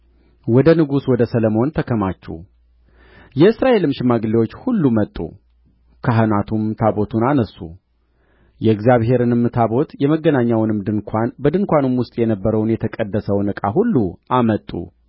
ወደ ንጉሡ ወደ ሰሎሞን ተከማቹ የእስራኤልም ሽማግሌዎች ሁሉ መጡ ካህናቱም ታቦቱን አነሡ የእግዚአብሔርንም ታቦት የመገናኛውንም ድንኳን በድንኳኑም ውስጥ የነበረውን የተቀደሰውን ዕቃ ሁሉ አመጡ